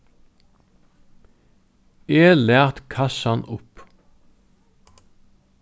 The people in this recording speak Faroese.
eg læt kassan upp